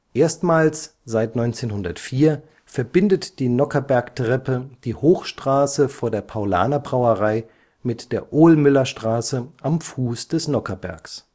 Ebenfalls seit 1904 verbindet die Nockherberg-Treppe die Hochstraße vor der Paulaner-Brauerei mit der Ohlmüllerstraße am Fuß des Nockherbergs